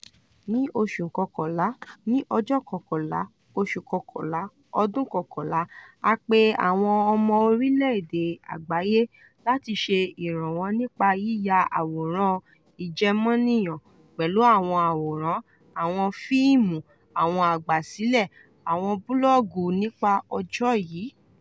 Ní oṣù Kọkànlá, ní 11/11/11 a pé àwọn ọmọ orílẹ̀ èdè àgbáyé láti ṣe ìrànwọ́ nípa yíya àwòrán ìjẹ́mọnìyàn pẹ̀lú: àwọn àwòrán, àwọn fíìmù, ohùn àgbàsílẹ̀, àwọn búlọ́ọ̀gù nípa ọjọ́ yìí.